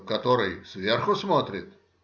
Который сверху смотрит?.